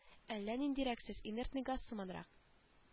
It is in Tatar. Әллә ниндирәк сез инертный газ сыманрак